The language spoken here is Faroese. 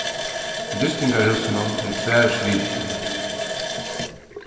á gistingarhúsinum eru tvær svitur